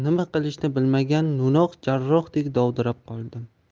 bilmagan no'noq jarrohdek dovdirab qoldim